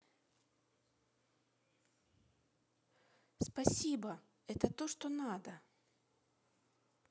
спасибо это то что надо